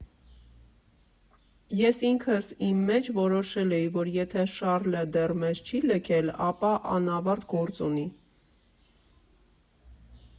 Ես ինքս իմ մեջ որոշել էի, որ եթե Շառլը դեռ մեզ չի լքել, ապա անավարտ գործ ունի։